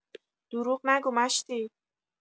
دروغ نگو مشدی